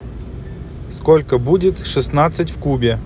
сколько будет шестнадцать в кубе